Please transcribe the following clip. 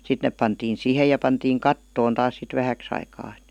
sitten ne pantiin siihen ja pantiin kattoon taas sitten vähäksi aikaa että